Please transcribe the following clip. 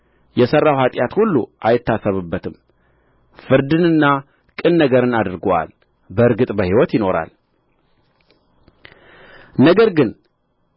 የሠራው ኃጢአት ሁሉ አይታሰብበትም ፍርድንና ቅን ነገርን አድርጎአል በእርግጥ በሕይወት ይኖራል ነገር ግን